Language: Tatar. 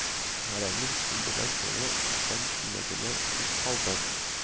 Гәрәйнең су белән тулы өлкән чүлмәгенә күз салды